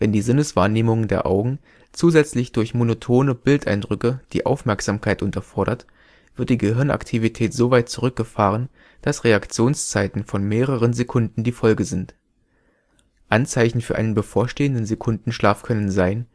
die Sinneswahrnehmung der Augen zusätzlich durch monotone Bildeindrücke die Aufmerksamkeit unterfordert, wird die Gehirnaktivität soweit zurückgefahren, dass Reaktionszeiten von mehreren Sekunden die Folge sind. Anzeichen für einen bevorstehenden Sekundenschlaf können sein